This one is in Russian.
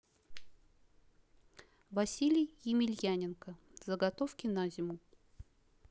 василий емельяненко заготовки на зиму